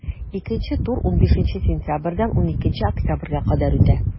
Икенче тур 15 сентябрьдән 12 октябрьгә кадәр үтә.